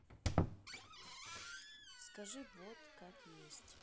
скажи вот как есть